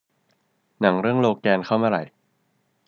หนังเรื่องโลแกนเข้าเมื่อไหร่